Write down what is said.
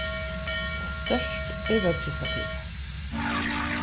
og stórt er reiggjustativið